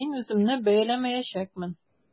Мин үземне бәяләмәячәкмен.